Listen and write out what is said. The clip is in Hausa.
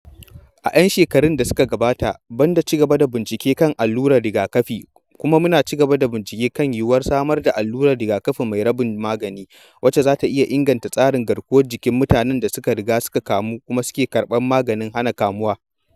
A 'yan shekaru da suka gabata, ban da ci gaba da bincike kan allurar rigakafi, muna kuma bincike kan yiwuwar samar da allurar rigakafi mai rabin magani, wacce za ta iya inganta tsarin garkuwar jikin mutanen da suka riga suka kamu, kuma suke karɓar maganin hana kamuwa.